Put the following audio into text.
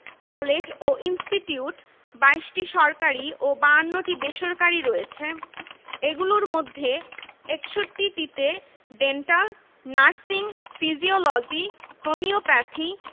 college ও institute ২২টি সরকারি ও ৫২টি বেসরকারি রয়েছে এগুলোর মধ্যে ৬১টিতে ডেন্টাল নার্সিং ফিজিওলজি হোমিওপ্যাথি